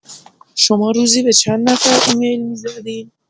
شما روزی به چند نفر ایمیل می‌زدین؟